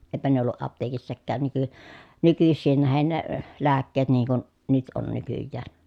eipä ne ollut apteekissakaan - nykyisiin nähden ne lääkkeet niin kuin nyt on nykyään